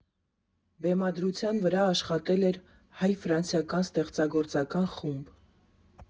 Բեմադրության վրա աշխատել էր հայ֊ֆրանսիական ստեղծագործական խումբ։